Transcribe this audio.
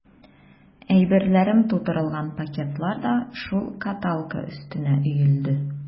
Әйберләрем тутырылган пакетлар да шул каталка өстенә өелде.